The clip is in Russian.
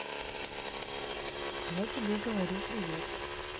я тебе говорю привет